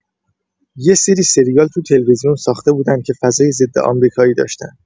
یه سری سریال تو تلویزیون ساخته بودن که فضای ضدآمریکایی داشتن.